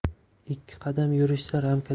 ikki qadam yurishsa